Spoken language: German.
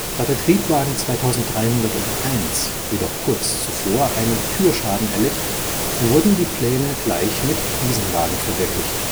Da der Triebwagen 2301 jedoch kurz zuvor einen Türschaden erlitt, wurden die Pläne gleich mit diesem Wagen verwirklicht